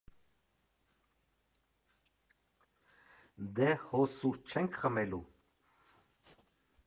Դե հո սուրճ չենք խմելու։